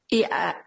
Ie.